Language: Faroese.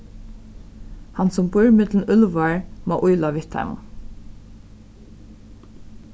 hann sum býr millum úlvar má ýla við teimum